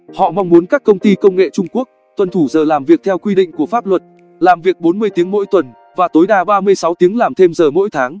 họ mong muốn các công ty công nghệ trung quốc tuân thủ giờ làm việc theo quy định của pháp luật làm việc tiếng mỗi tuần và tối đa tiếng làm thêm giờ mỗi tháng